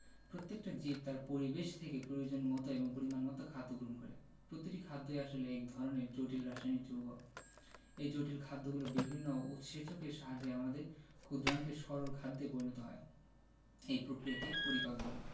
প্রত্যেকটা জীব তার পরিবেশ থেকে প্রয়োজনমতো এবং পরিমাণমতো খাদ্য গ্রহণ করে প্রতিটি খাদ্যই আসলে এক ধরনের জটিল রাসায়নিক যৌগ এই জটিল খাদ্যগুলো বিভিন্ন উৎসেচকের সাহায্যে আমাদের ক্ষুদ্রান্তে সরল খাদ্যে পরিণত হয় এই প্রক্রিয়াকে পরিপাক বলে